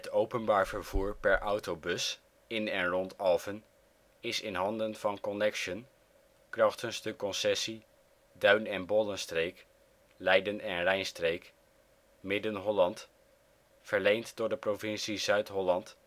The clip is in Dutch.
openbaar vervoer per autobus in en rond Alphen is in handen van Connexxion krachtens de concessie Duin - en Bollenstreek / Leiden en Rijnstreek / Midden-Holland, verleend door de provincie Zuid-Holland